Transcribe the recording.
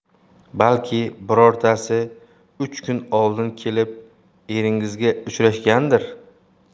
balki birontasi uch kun oldin kelib eringizga uchrashgandir